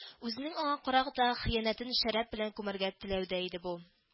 Үзенең аңа карата хыянәтен шәраб белән күмәргә теләү дә иде бу